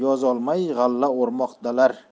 yozolmay g'alla o'rmoqdalar